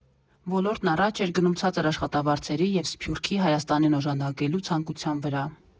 Ոլորտն առաջ էր գնում ցածր աշխատավարձերի և Սփյուռքի՝ Հայաստանին օժանդակելու ցանկության վրա։